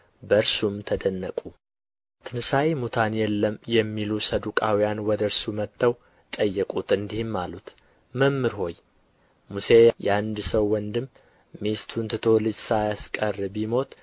በእርሱም ተደነቁ ትንሣኤ ሙታን የለም የሚሉ ሰዱቃውያን ወደ እርሱ መጥተው ጠየቁት እንዲህም አሉት መምህር ሆይ ሙሴ የአንድ ሰው ወንድም ሚስቱን ትቶ ልጅ ሳያስቀር ቢሞት